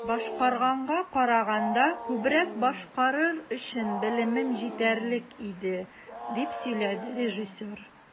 "башкарганга караганда күбрәк башкарыр өчен белемем җитәрлек иде", - дип сөйләде режиссер.